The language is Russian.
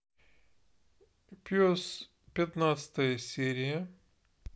пес пятнадцатая серия